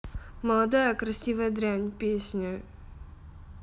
молодая красивая дрянь песня